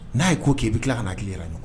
N'a ye ko kɛ i bɛ tila ka n'a hakili jira ɲɔgɔn